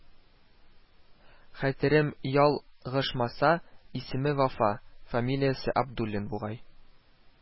Хәтерем ял-гышмаса, исеме Вафа, фамилиясе Абдуллин бугай